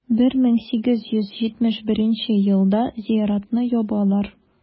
1871 елда зыяратны ябалар.